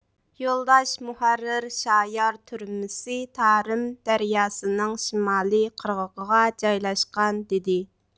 يولداش مۇھەررىر شايار تۈرمىسى تارىم دەرياسىنىڭ شىمالىي قىرغىقىغا جايلاشقان دېدى